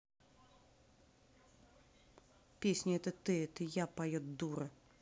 песня это ты это я поет дура